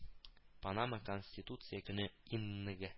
Панама Конституция көне инг